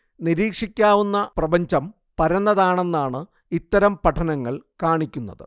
നിരീക്ഷിക്കാവുന്ന പ്രപഞ്ചം പരന്നതാണെന്നാണ് ഇത്തരം പഠനങ്ങൾ കാണിക്കുന്നത്